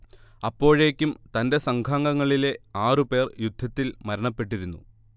അപ്പോഴേക്കും തന്റെ സംഘാംങ്ങളിലെ ആറു പേർ യുദ്ധത്തിൽ മരണപ്പെട്ടിരുന്നു